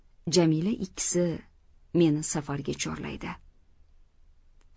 jamila ikkisi meni safarga chorlaydi